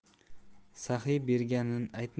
saxiy berganini aytmas